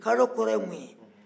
kaadɔ kɔrɔ ye mun ye